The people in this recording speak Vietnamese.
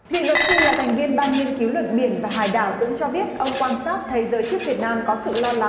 vị luật sư là thành viên ban nghiên cứu luật biển và hải đảo cũng cho biết ông quan sát thấy giới trức việt nam có sự lo lắng